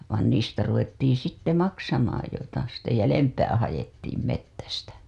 vaan niistä ruvettiin sitten maksamaan joita sitten jäljempää haettiin metsästä